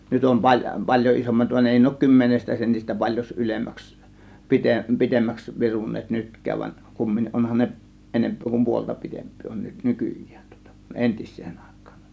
nyt on - paljon isommat vaan ei ne ole kymmenestä sentistä paljon ylemmäksi - pitemmäksi viruneet nytkään vaan kumminkin onhan ne enempää kuin puolta pitempiä on nyt nykyään tuota kuin entiseen aikaan